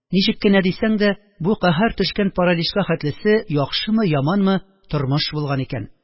Ничек кенә дисәң дә, бу каһәр төшкән параличка хәтлесе, яхшымы-яманмы, тормыш булган икән.